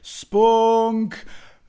Spunk!